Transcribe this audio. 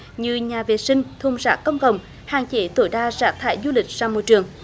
như nhà vệ sinh thùng rác công cộng hạn chế tối đa rác thải du lịch ra môi trường